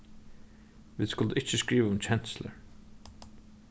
vit skuldu ikki skriva um kenslur